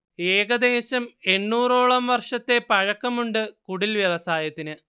ഏകദേശം എണ്ണൂറോളം വർഷത്തെ പഴക്കമുണ്ട് കുടിൽവ്യവസായത്തിന്